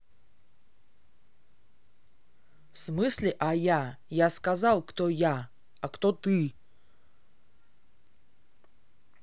в смысле а я я сказал кто я а кто ты